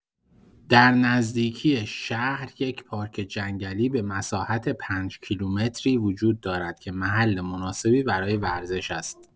در نزدیکی شهر یک پارک جنگلی به مساحت پنج‌کیلومتری وجود دارد که محل مناسبی برای ورزش است.